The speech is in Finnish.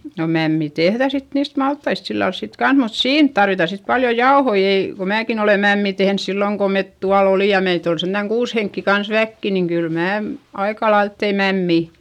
no mämmi tehdään sitten niistä maltaista sillä lailla sitten kanssa mutta siinä tarvitaan sitten paljon jauhoja ei kun minäkin olen mämmiä tehnyt silloin kun me tuolla olimme ja meitä oli sentään kuusi henkeä kanssa väkeä niin kyllä minä aika lailla tein mämmiä